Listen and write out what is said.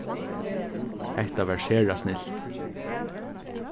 hetta var sera snilt